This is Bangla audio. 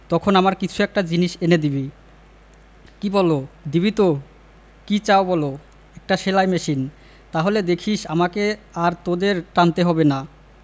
তখন আমার কিছু একটা জিনিস এনে দিবি কি বলো দিবি তো কি চাও বলো একটা সেলাই মেশিন তাহলে দেখিস আমাকে আর তোদের টানতে হবে না